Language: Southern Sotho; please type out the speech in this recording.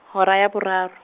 hora ya boraro.